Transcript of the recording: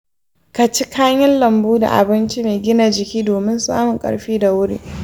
ka ci kayan lambu da abinci mai gina jiki domin samun ƙarfi da wuri.